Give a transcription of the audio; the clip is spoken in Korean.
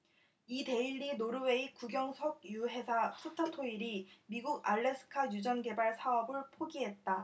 이데일리 노르웨이 국영석유회사 스타토일이 미국 알래스카 유전개발 사업을 포기했다